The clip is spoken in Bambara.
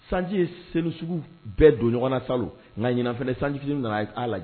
Sanji sen sugu bɛɛ don ɲɔgɔn na sa nka ɲɛnafɛ sanfi nana' lajɛ